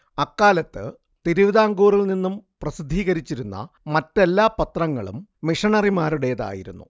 അക്കാലത്ത് തിരുവിതാംകൂറിൽ നിന്നും പ്രസിദ്ധീകരിച്ചിരുന്ന മറ്റെല്ലാ പത്രങ്ങളും മിഷണറിമാരുടേതായിരുന്നു